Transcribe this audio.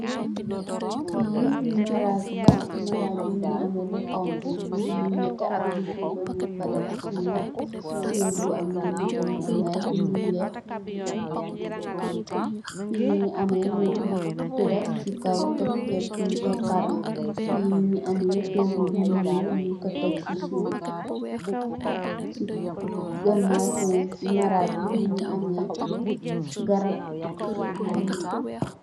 Fii maraaj la, mu ngi am lu xoñxu, lu nétté ak, lu bulo ñung fa def siwo, siwo bu am lu nétté, mu ay bindë yu weex. Bindë yi, fii mu ngi am nit bu, teddal si kow, tep tep ñung ko karro, fii mu ngi am toggu bu ñuul, ñung ko tek si suuf, si ganaaw, maraaj bi, mu ngi amee, garab.